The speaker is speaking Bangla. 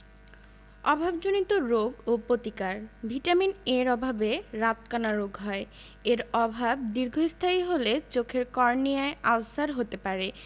অভাবজনিত রোগ ও প্রতিকার ভিটামিন A এর অভাবে রাতকানা রোগ হয় এর অভাব দীর্ঘস্থায়ী হলে চোখের কর্নিয়ায় আলসার হতে পারে